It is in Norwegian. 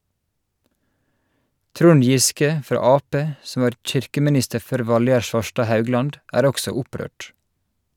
Trond Giske fra Ap, som var kirkeminister før Valgerd Svarstad Haugland, er også opprørt.